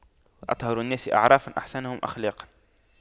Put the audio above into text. أطهر الناس أعراقاً أحسنهم أخلاقاً